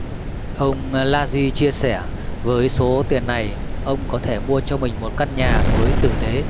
ông larry chia sẻ với số tiền này ông có thể mua cho mình một căn nhà mới tử tế